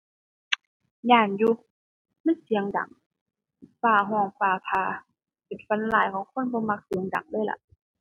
ย้านอยู่ มันเสียงดังฟ้าร้องฟ้าผ่า เป็นฝันร้ายของคนบ่มักเสียงดังเลยล่ะ